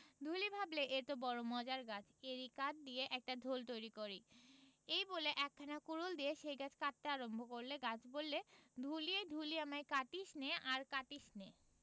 ঢুলি ভাবলে এ তো বড়ো মজার গাছ এরই কাঠ দিয়ে একটা ঢোল তৈরি করি এই বলে একখানা কুডুল নিয়ে সেই গাছ কাটতে আরম্ভ করলে গাছ বললে ঢুলি ঢুলি আমায় কাটিসনে আর কাটিসনে